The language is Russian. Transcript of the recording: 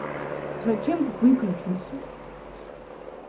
зачем ты выключился